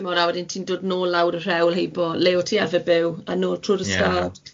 Ti'mod, a wedyn ti'n dod nôl lawr y rhewl heibo, le o't ti arfer byw, a nôl trw'r ystad.